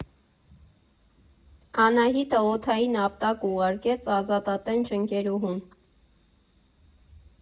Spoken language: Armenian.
Անահիտը օդային ապտակ ուղարկեց ազատատենչ ընկերուհուն։